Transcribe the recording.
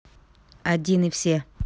один и все